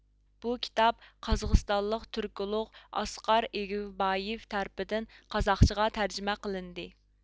بۇ كىتاب قازاقىستانلىق تۈركولوگ ئاسقار ئېگېۋبايېۋ تەرىپىدىن قازاقچىغا تەرجىمە قىلىندى